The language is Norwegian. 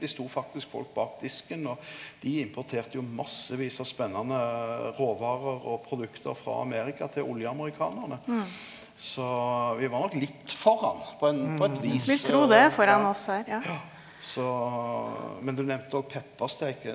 det stod faktisk folk bak disken og dei importerte jo massevis av spennande råvarer og produkt frå Amerika til oljeamerikanarane, så vi var nok litt foran på ein på eit vis ja så men du nemnde òg peparsteik.